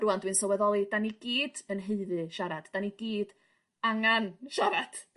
rŵan dwi'n sylweddoli 'dan ni gyd yn haeddu siarad 'dan ni gyd angan siarad.